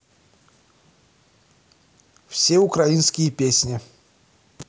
все украинские песни